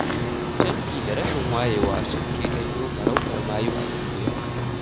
Camfi da rashin wayewa su ke janyo farautar mayu a Indiya.